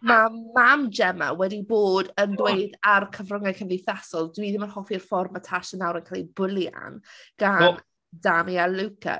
ma' mam Gemma wedi bod yn gweud ar cyfryngau cymdeithasol "Dwi ddim yn hoffi'r ffordd mae Tasha nawr yn cael ei bwlian gan... wel ...Dami a Luca".